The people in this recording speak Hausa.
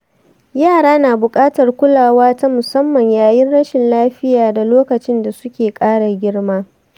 yara na buƙatar kulawa ta musamman yayin rashin lafiya da lokacin da suke ƙara girma.